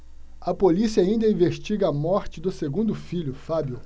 a polícia ainda investiga a morte do segundo filho fábio